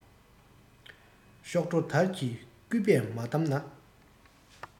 གཤོག སྒྲོ དར གྱིས སྐུད པས མ བསྡམས ན